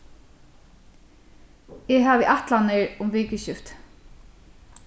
eg havi ætlanir um vikuskiftið